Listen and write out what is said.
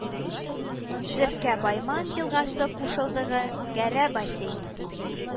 Зеркә Байман елгасы кушылдыгы Гәрә бассейны